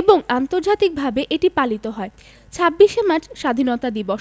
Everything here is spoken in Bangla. এবং আন্তর্জাতিকভাবে এটি পালিত হয় ২৬শে মার্চ স্বাধীনতা দিবস